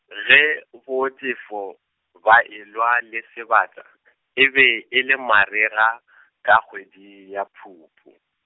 ge BoTefo, ba e lwa le sebata, e be e le marega , ka kgwedi ya Phupu.